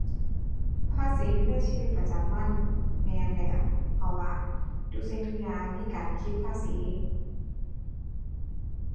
ภาษีอยู่ในชีวิตประจำวัน แม่นแล้ว เพราะว่าทุกสิ่งทุกอย่างมีการคิดภาษี